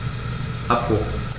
Abbruch.